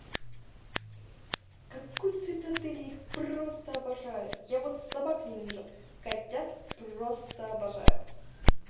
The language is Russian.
какой цитадель я их просто обожаю я вот собак ненавижу котят просто обожаю